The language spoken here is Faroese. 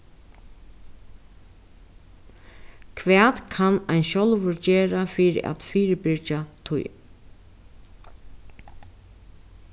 hvat kann ein sjálvur gera fyri at fyribyrgja tí